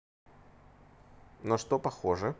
на что похожи